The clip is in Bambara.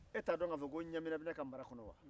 e t' a dɔn ka fɔ ko ɲamina bɛ ne ka mara kɔnɔ wa